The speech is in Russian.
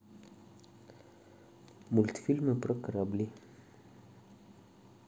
мультфильмы про корабли